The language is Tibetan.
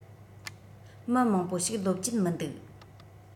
མི མང པོ ཞིག ལོབས ཀྱིན མི འདུག